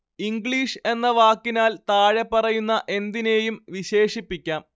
English എന്ന വാക്കിനാൽ താഴെപ്പറയുന്ന എന്തിനേയും വിശേഷിപ്പിക്കാം